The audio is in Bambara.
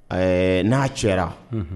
Ɛɛ n'a cɛ